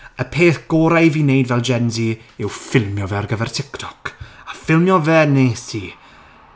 Y peth gorau i fi wneud fel gen Z yw ffilmio fe ar gyfer TikTok. A ffilmio fe wnes i.